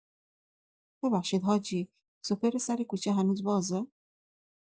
ببخشید حاجی، سوپر سر کوچه هنوز بازه؟